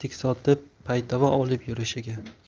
sotib paytava olib yurishiga